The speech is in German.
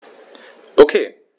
Okay.